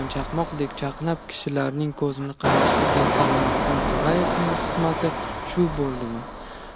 chaqmoqdek chaqnab kishilarning ko'zini qamashtirgan alimardon to'rayevning qismati shu boldimi